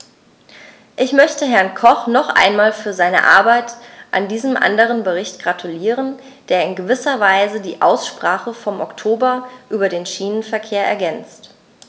Ich möchte Herrn Koch noch einmal für seine Arbeit an diesem anderen Bericht gratulieren, der in gewisser Weise die Aussprache vom Oktober über den Schienenverkehr ergänzt.